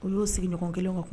Olu'olu sigiɲɔgɔn kelen ka kuma